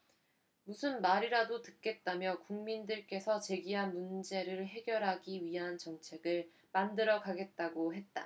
무슨 말이라도 듣겠다며 국민들께서 제기한 문제를 해결하기 위한 정책을 만들어 가겠다고 했다